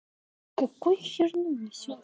какой херню несешь